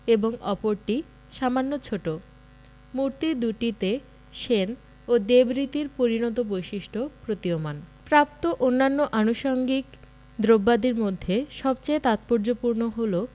এবং অপরটি সামান্য ছোট মূর্তি দুটিতে সেন ও দেব রীতির পরিণত বৈশিষ্ট্য প্রতীয়মান প্রাপ্ত অন্যান্য আনুষঙ্গিক দ্রব্যাদির মধ্যে সবচেয়ে তাৎপর্যপূর্ণ হলো